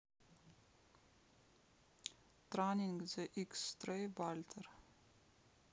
turning the x stray вальтер